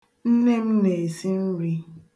Nne m na-esi nri.